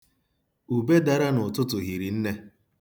Ube dara n'ụtụtụ hiri nne.